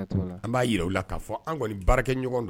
An b'a jira ula ka fɔ an kɔni baarakɛ ɲɔgɔn do.